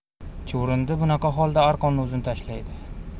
chuvrindi bunaqa holda arqonni uzun tashlaydi